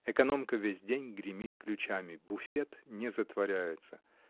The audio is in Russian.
Экономка весь день гремит ключами; буфет не затворяется.